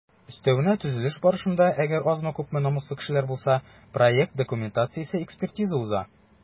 Өстәвенә, төзелеш барышында - әгәр азмы-күпме намуслы кешеләр булса - проект документациясе экспертиза уза.